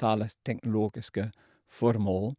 taleteknologiske formål.